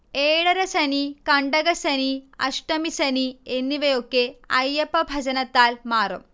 ഏഴരശ്ശനി, കണ്ടകശ്ശനി, അഷ്ടമിശനി എന്നിവയൊക്കെ അയ്യപ്പഭജനത്താൽ മാറും